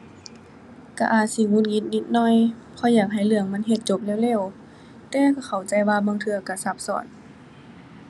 ก็อาจสิหงุดหงิดนิดหน่อย เพราะอยากให้เรื่องมันเฮ็ดจบเร็วเร็ว แต่ก็เข้าใจว่าบางเทื่อก็ซับซ้อน